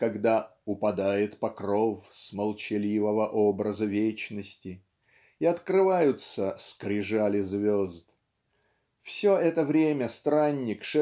когда "упадает покров с молчаливого образа вечности" и открываются "скрижали звезд" все это время странник